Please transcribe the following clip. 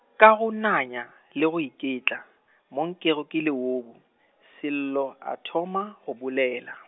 ka go nanya, le go iketla, mo nkego ke leobu, Sello a thoma go bolela.